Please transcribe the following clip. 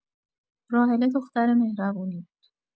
راحله دختر مهربونی بود.